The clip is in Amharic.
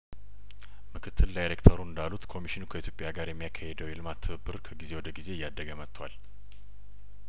ምክትል ዳይሬክተሩ እንዳሉት ኮሚሽኑ ከኢትዮጵያ ጋር የሚያካሂደው የልማት ትብብር ከጊዜ ወደ ጊዜ እያደገ መጥቷል